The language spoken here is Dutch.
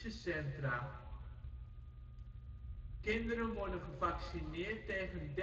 centra. Kinderen worden gevaccineerd tegen